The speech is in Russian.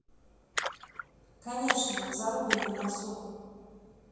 конечно зарубин на носу